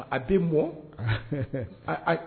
A bɛ mɔn